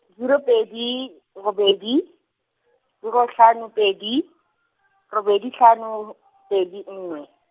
zero pedi, robedi , zero hlano pedi, robedi hlano, pedi nngwe.